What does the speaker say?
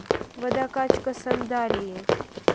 водокачка сандалии